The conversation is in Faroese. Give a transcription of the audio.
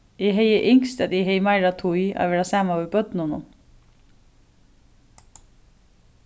eg hevði ynskt at eg hevði meira tíð at vera saman við børnunum